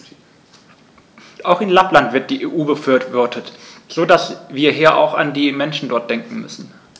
Auch in Lappland wird die EU befürwortet, so dass wir hier auch an die Menschen dort denken müssen.